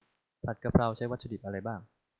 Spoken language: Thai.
ผัดกะเพราใช้วัตถุดิบอะไรบ้าง